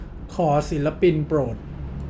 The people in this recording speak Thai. ขอศิลปินโปรด